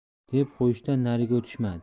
deb qo'yishdan nariga o'tishmadi